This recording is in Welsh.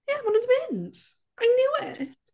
Ie ma' nhw 'di mynd. I knew it.